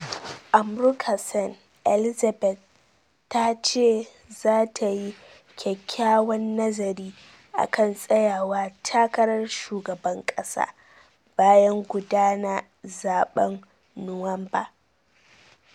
Amurka Sen. Elizaberth ta ce za ta yi "kyakkyawan nazari akan Tsayawa takarar Shugaban kasa” bayan gudana zaben Nuwamba.